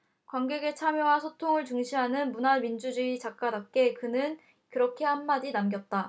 관객의 참여와 소통을 중시하는 문화민주주의 작가답게 그는 그렇게 한 마디 남겼다